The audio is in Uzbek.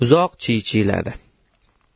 uzoq chiychiyladi